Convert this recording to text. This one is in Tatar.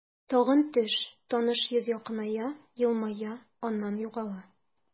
Тагын төш, таныш йөз якыная, елмая, аннан югала.